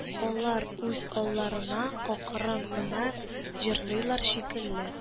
Алар үз алларына акрын гына җырлыйлар шикелле